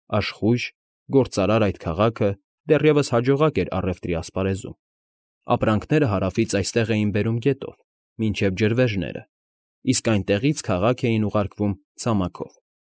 Աշխույժ, գործարար այդ քաղաքը դեռևս հաջողակ էր առևտրի ասպարեզում, ապրանքները Հարավից այստեղ էին բերում գետով, մինչև ջրվեժները, իսկ այնտեղից քաղաք էին ուղարկվում ցամաքով։